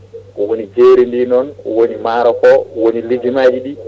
woni jeeri ndi noon woni maaro ko woni lijumaji ɗi